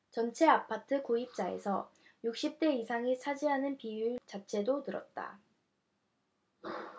전체 아파트 구입자에서 육십 대 이상이 차지하는 비중 자체도 늘었다